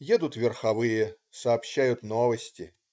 Едут верховые, сообщают новости.